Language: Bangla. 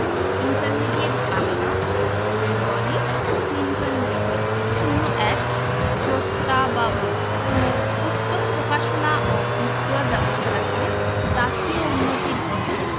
intermediate Bangla Bengali Clinton B সিলি ০১ প্রস্তাবাবলী পুস্তক প্রকাশনা ও বিক্রয় ব্যাবস্থাকে জাতীয় উন্নতির পথে